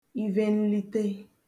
ivenlite